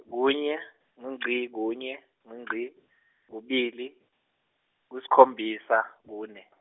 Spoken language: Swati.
kunye, ngu ngci, kunye, ngu ngci, kubili, ku sikhombisa, kune.